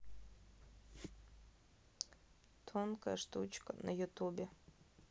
тонкая штучка на ютубе